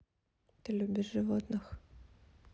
ты любишь животных